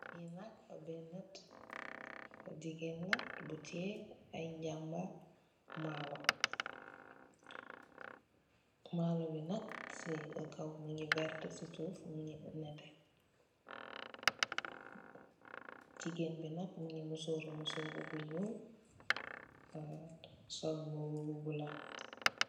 Li nak benna jigeen la bu teyeh ay jamba maalo. Maalo bi nak si kaw mugii werta ci suuf mugii netteh. Jigeen bi nak mugii mesor, mesor bu ñuul sol mbubu bu bula.